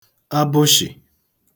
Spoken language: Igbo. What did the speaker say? abụshị̀